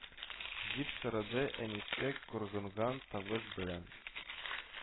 Дип сорады әнисе куркынган тавыш белән